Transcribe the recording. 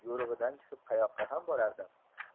yo'rig'idan chiqib qayoqqa ham borardi